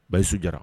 Bayisu Jara